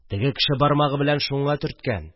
Теге кеше бармагы белән шуңа төрткән